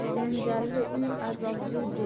janjalli uy azobli go'r